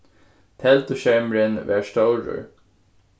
telduskermurin var stórur